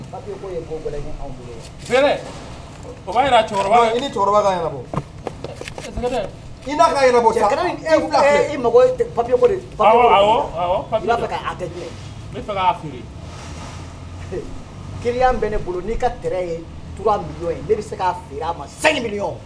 I cɛkɔrɔbaa i papiye ke bɛ ne bolo n'i ka tu bɛ se k' a ma